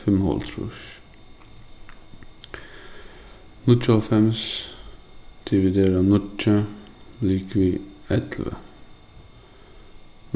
fimmoghálvtrýss níggjuoghálvfems dividerað níggju ligvið ellivu